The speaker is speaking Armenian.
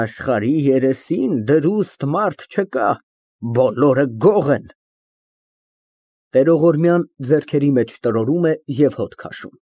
Աշխարհի երեսին դրուստ մարդ չկա, բոլորը գող են։ (Տեղողորմյան ձեռքերի մեջ տրորում է և հոտ քաշում)։